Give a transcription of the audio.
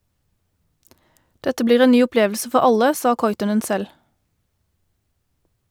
Dette blir en ny opplevelse for alle, sa Kuitunen selv.